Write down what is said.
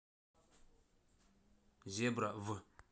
зебра в